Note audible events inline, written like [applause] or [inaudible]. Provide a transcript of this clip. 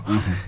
[hesitation] [hesitation]